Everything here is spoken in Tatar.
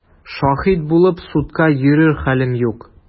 Шаһит булып судка йөрер хәлем юк!